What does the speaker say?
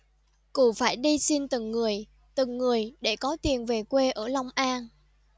cụ phải đi xin từng người từng người để có tiền về quê ở long an